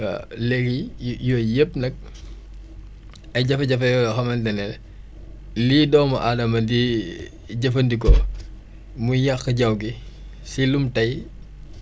waaw léegi yooyu yëpp nag ay jafe-jafe la yoo xamante ne la lii doomu Adama di jëfandikoo muy yàq jaww gi si lum tey